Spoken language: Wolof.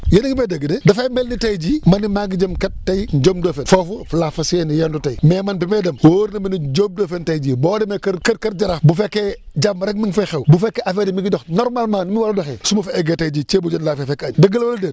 yéen angi may dégg de dafay mel ni tey jii ma ni maa ngi jëm kat tey Ndiob Ndofène foofu laa fas yéenee yendu tey mais man bi may dem wóor na ma ni Ndiob Ndofène tey jii boo demee kër kër jaraaf bu fekkee jàmm rek mi ngi fay xew bu feffee affaires yi mi ngi dox normalement ni mu war a doxee su ma fa eggee tey jii ceebu jën laa fay fekk añ dëgg la wala déet